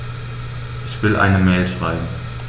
Ich will eine Mail schreiben.